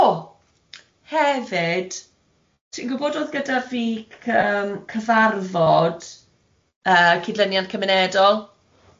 O hefyd ti'n gwbod oedd gyda fi cy- cyfarfod yy cydleniant cymunedol?